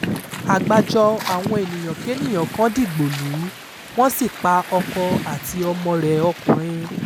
Àgbájọ àwọn ènìyànkéènìà kan dìgbò lù ú, wọ́n sì pa ọkọ àti ọmọ rẹ̀ ọkùnrin.